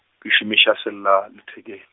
ke šomiša seila lethekeng.